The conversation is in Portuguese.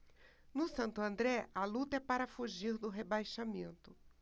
no santo andré a luta é para fugir do rebaixamento